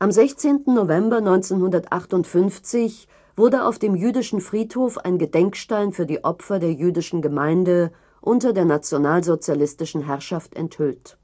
16. November 1958 wurde auf dem jüdischen Friedhof ein Gedenkstein für die Opfer der Jüdischen Gemeinde unter der nationalsozialistischen Herrschaft enthüllt